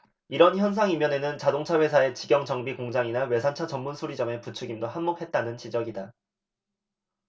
이런 현상 이면에는 자동차회사의 직영 정비공장이나 외산차 전문수리점의 부추김도 한몫했다는 지적이다